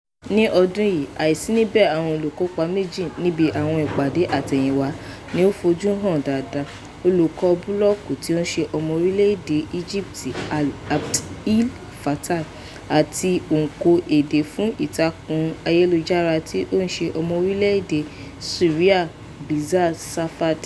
Ní ọdún yìí, àìsí níbẹ̀ àwọn olùkópa méjì níbi àwọn ìpàdé àtẹ̀yìnwá ni ó fojú hàn dáadáa: Olùkọ búlọ́ọ̀gù tí í ṣe ọmọ orílẹ̀ èdè Egypt Alaa Abd El Fattah àti ọ̀ǹkọ èdè fún ìtàkùn ayélujára tí í ṣe ọmọ orílẹ̀ èdè Syria Bassel Safadi.